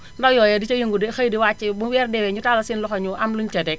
ndaw yooya di ca yëngu xëy di wàcc bu weer deewee ñu tallal seen loxo ñu am luñu ca teg